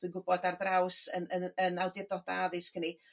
dwi gwbod ar draws 'yn yn y 'yn awdurdoda' addysg ni